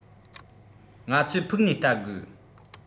ང ཚོས ཕུགས ནས བལྟ དགོས